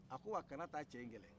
a ko wa kana taa cɛ in kɛlɛ